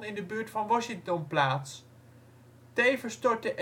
de buurt van Washington plaats. Tevens stortte